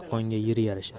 dehqonga yer yarashar